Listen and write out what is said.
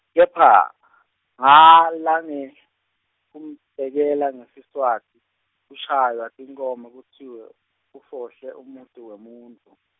kepha , ngala ngekumtekela- ngeSiswati, kushaywa tinkhomo kutsiwe, ufohle umuti wemuntfu.